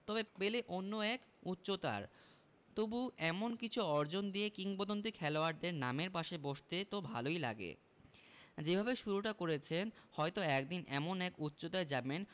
তবে পেলে অন্য এক উচ্চতার তবু এমন কিছু অর্জন দিয়ে কিংবদন্তি খেলোয়াড়দের নামের পাশে বসতে তো ভালোই লাগে যেভাবে শুরুটা করেছেন হয়তো একদিন এমন এক উচ্চতায় যাবেন